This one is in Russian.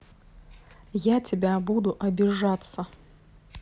я тебя буду обижаться